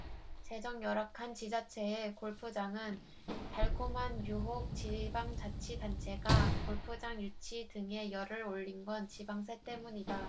재정 열악한 지자체에 골프장은 달콤한 유혹지방자치단체가 골프장 유치 등에 열을 올린 건 지방세 때문이다